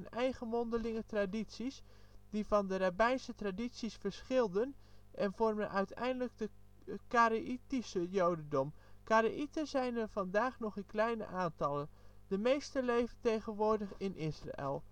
eigen mondelinge tradities, die van de rabbijnse tradities verschilden, en vormden uiteindelijk het Karaïtische jodendom. Karaïeten zijn er vandaag nog in kleine aantallen. De meesten leven tegenwoordig in Israël